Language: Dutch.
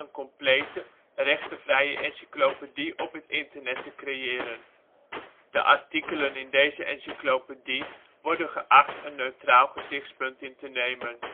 complete, rechtenvrije encyclopedie op het web te creëren. De artikelen in deze encyclopedie worden geacht een neutraal gezichtspunt in te nemen